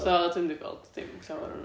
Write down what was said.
so dwi 'm 'di gweld dim llawer ohonyn nhw